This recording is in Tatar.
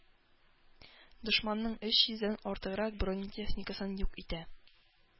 Дошманның өч йөздән артыграк бронетехникасын юк итә.